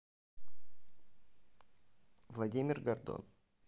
владимир гордон